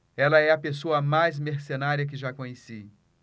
ela é a pessoa mais mercenária que já conheci